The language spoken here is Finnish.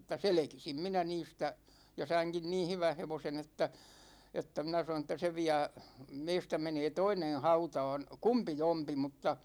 mutta selkisin minä niistä ja sainkin niin hyvän hevosen että että minä sanoin että se vie meistä menee toinen hautaan kumpijompi mutta